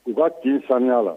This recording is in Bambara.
U ka t saniya la